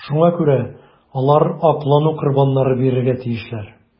Шуңа күрә алар аклану корбаннары бирергә тиешләр.